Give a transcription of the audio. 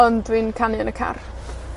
Ond dwi'n canu yn y car.